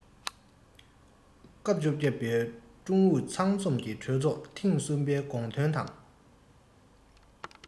སྐབས བཅོ བརྒྱད པའི ཀྲུང ཨུ ཚང འཛོམས གྲོས ཚོགས ཐེངས གསུམ པའི དགོངས དོན དང